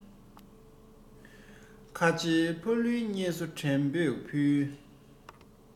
ཁ ཆེ ཕ ལུའི བསྙེལ གསོ དྲན པོས ཕུལ